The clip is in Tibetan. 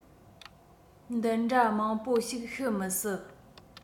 འདི འདྲ མང པོ ཞིག ཤི མི སྲིད